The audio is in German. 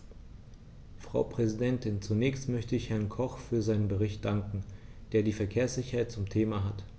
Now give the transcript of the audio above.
Frau Präsidentin, zunächst möchte ich Herrn Koch für seinen Bericht danken, der die Verkehrssicherheit zum Thema hat.